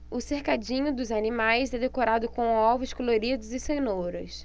o cercadinho dos animais é decorado com ovos coloridos e cenouras